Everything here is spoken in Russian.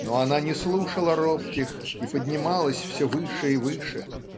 но она не слушала робких и поднималась все выше и выше.